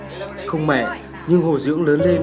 tình thân của chị